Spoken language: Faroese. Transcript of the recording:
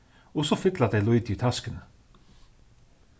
og so fylla tey lítið í taskuni